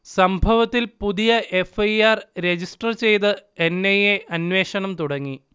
സംഭവത്തിൽ പുതിയ F. I. R. Register ചെയ്ത് എൻ. ഐ. എ. അന്വേഷണം തുടങ്ങി